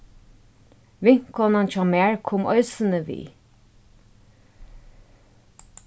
vinkonan hjá mær kom eisini við